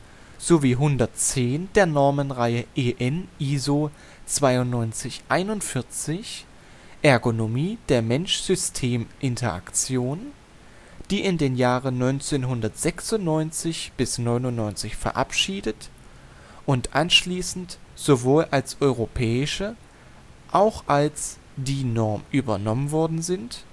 sowie 110 der Normenreihe EN ISO 9241 „ Ergonomie der Mensch-System-Interaktion “, die in den Jahren 1996 bis 1999 verabschiedet und anschließend sowohl als Europäische als auch als DIN-Normen übernommen worden sind